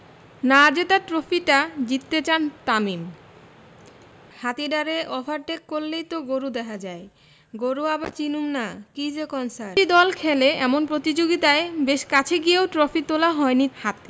না জেতা ট্রফিটা জিততে চান তামিম আগে কখনোই ত্রিদেশীয় ওয়ানডে সিরিজ জেতা হয়নি বাংলাদেশের দুইয়ের বেশি দল খেলে এমন প্রতিযোগিতায় বেশ কাছে গিয়েও ট্রফি তোলা হয়নি হাতে